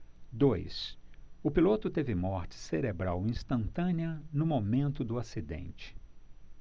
dois o piloto teve morte cerebral instantânea no momento do acidente